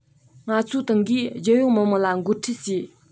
ང ཚོའི ཏང གིས རྒྱལ ཡོངས མི དམངས ལ འགོ ཁྲིད བྱས